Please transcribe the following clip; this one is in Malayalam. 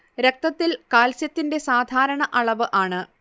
രക്തത്തിൽ കാൽസ്യത്തിന്റെ സാധാരണ അളവ് ആണ്